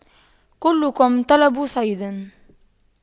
كلكم طلب صيد